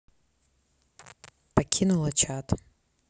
покинула чат